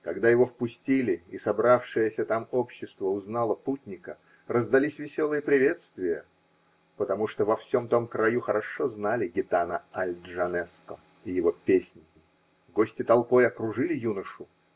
Когда его впустили и собравшееся там общество узнало путника, раздались веселые приветствия, потому что во всем том краю хорошо знали гитана Аль-Джанеско и его песни. Гости толпой окружили юношу